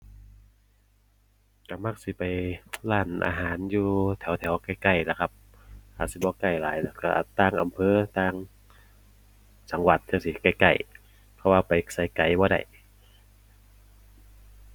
ก็มักสิไปร้านอาหารอยู่แถวแถวใกล้ใกล้ล่ะครับ อาจสิบ่ใกล้หลายหรอก ก็ต่างอำเภอ ต่างจังหวัดจั่งซี้ใกล้ใกล้ เพราะว่าไปไสไกลบ่ได้